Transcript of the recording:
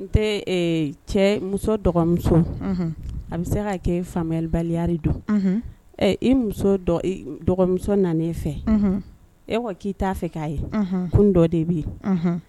N tɛ cɛ musomuso a bɛ se' kɛ fabaliri don imuso nan fɛ e wa k'i t'a fɛ k'a ye kun dɔ de bɛ yen